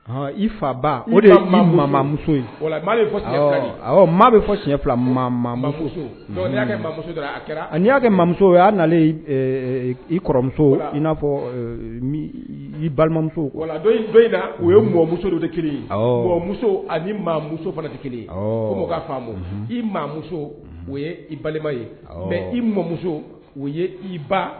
Fa maa fila y'amuso imuso i na fɔ balimamuso don in na o ye mɔmuso de kelen ye muso ani maamuso fana tɛ imuso o ye i balima ye mɛ i mɔmuso u ye i ba